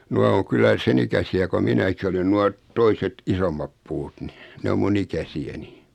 nuo on kyllä sen ikäisiä kuin minäkin olen nuo toiset isommat puut niin ne on minun ikäisiäni